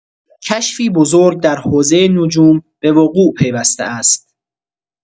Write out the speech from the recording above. کشفی بزرگ در حوزۀ نجوم به وقوع پیوسته است.